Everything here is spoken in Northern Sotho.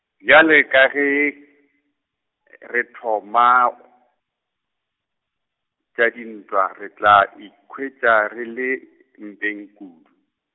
bjale ka ge, re thoma , ka dintwa, re tla ikhwetša re le , mpeng kudu.